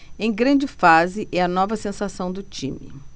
em grande fase é a nova sensação do time